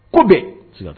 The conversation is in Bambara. Ko bɛ